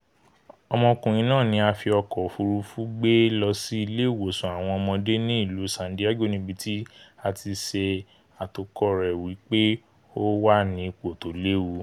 Ọmọkùnrin náà ni a fi ọkọ òfurufú gbé lọ sí Ilé-ìwòsàn Àwọn Ọmọdé ní ìlú San Diego níbití tí a ti ṣe àtòkọ rẹ̀ wípé ó wà ní ipò tó léwu.